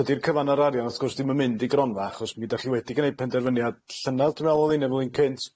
Tydi'r cyfan o'r arian wrth gwrs ddim yn mynd i gronfa achos mi dach chi wedi gneud penderfyniad llynadd dwi me'wl o'dd un yn flwyddyn cynt.